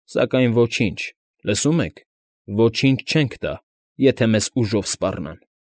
Սակայն ոչինչ, լսո՞ւմ եք, ոչինչ չենք տա, եթե մեզ ուժով սպառնան։